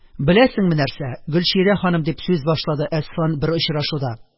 Беләсеңме нәрсә, Гөлчирә ханым, – дип сүз башлады Әсфан бер очрашуда,